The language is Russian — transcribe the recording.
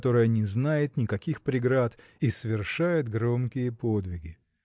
которая не знает никаких преград и свершает громкие подвиги.